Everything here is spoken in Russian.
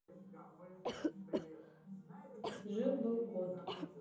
жил был кот